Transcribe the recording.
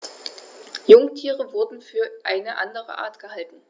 Jungtiere wurden für eine andere Art gehalten.